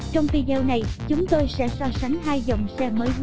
trong video này chúng tôi sẽ so sánh hai dòng xe mới nhất này